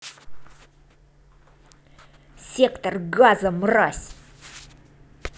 сектор газа мразь